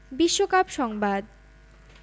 বিশ্বকাপ সংবাদ